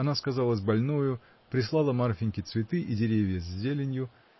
Она сказалась больною, прислала Марфиньке цветы и деревья с зеленью.